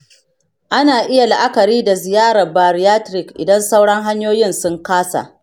ana iya la'akari da ziyarar bariatric idan sauran hanyoyin sun kasa.